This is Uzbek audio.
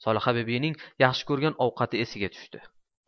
solihabibining yaxshi ko'rgan ovqati esiga tushdi